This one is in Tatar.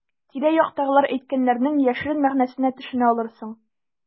Тирә-яктагылар әйткәннәрнең яшерен мәгънәсенә төшенә алырсың.